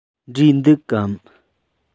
འབྲས འདུག གམ